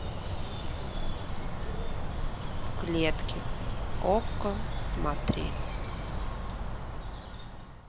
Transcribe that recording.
в клетке окко смотреть